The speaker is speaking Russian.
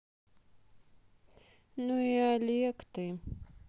ну и олег ты